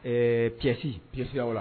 Ɛɛ pièce